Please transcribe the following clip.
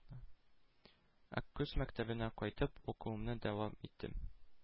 Аккүз мәктәбенә кайтып укуымны дәвам иттем...